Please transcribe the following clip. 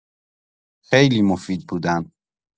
خیلی مفید بودن